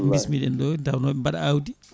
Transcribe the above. bismiɗen ɗo nde tawno ɓe mbaɗa awdi